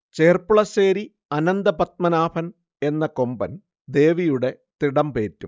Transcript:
ചെർപ്പുളശ്ശേരി അനന്തപദ്മനാഭൻ എന്ന കൊമ്പൻ ദേവിയുടെ തിടമ്പേറ്റും